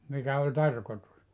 mikä oli tarkoitus